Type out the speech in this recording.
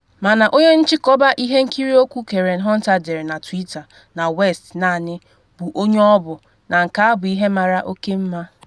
Mana onye nchịkọba ihe nkiri okwu Karen Hunter dere na twitter na West naanị “bụ onye ọ bụ, na nke a bụ ihe mara oke mma.”